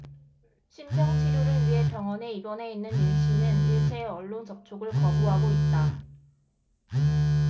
신병 치료를 위해 병원에 입원해 있는 윤씨는 일체의 언론 접촉을 거부하고 있다